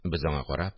Без, аңа карап